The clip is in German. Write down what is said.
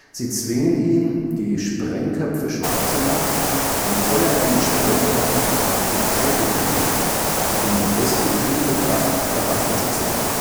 Sie zwingen ihn, die Sprengköpfe scharf zu machen, und feuern einen Sprengkopf auf den Eiffelturm, um die destruktive Kraft der Waffe zu zeigen